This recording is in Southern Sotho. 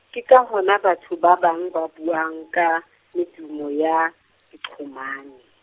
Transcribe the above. ke ka hona batho ba bang ba buang ka, medumo ya, diqhomane.